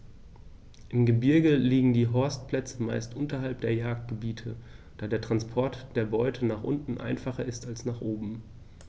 Im Gebirge liegen die Horstplätze meist unterhalb der Jagdgebiete, da der Transport der Beute nach unten einfacher ist als nach oben.